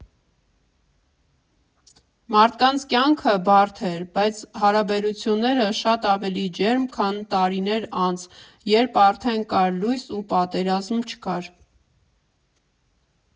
Մարդկանց կյանքը բարդ էր, բայց հարաբերությունները՝ շատ ավելի ջերմ, քան տարիներ անց, երբ արդեն կար լույս ու պատերազմ չկար։